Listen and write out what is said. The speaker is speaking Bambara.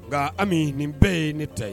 Nka ami nin bɛɛ ye ne ta ye